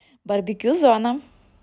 барбекю зона